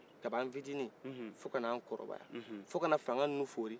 ka bini an fitini f'o kan' an kɔrɔbaya fo kana fangan nu fori